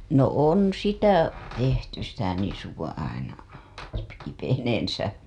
no on sitä tehty sitä nisua aina kipeneensä